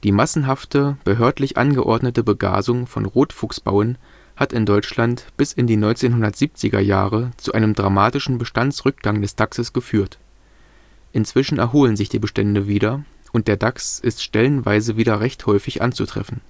massenhafte, behördlich angeordnete Begasung von Rotfuchsbauen hat in Deutschland bis in die 1970er-Jahre zu einem dramatischen Bestandsrückgang des Dachses geführt. Inzwischen erholen sich die Bestände wieder, und der Dachs ist stellenweise wieder recht häufig anzutreffen